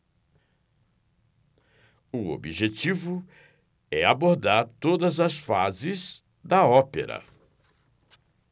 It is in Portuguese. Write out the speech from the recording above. o objetivo é abordar todas as fases da ópera